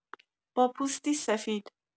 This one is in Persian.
با پوستی سفید